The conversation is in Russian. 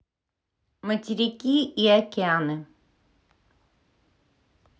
материки и океаны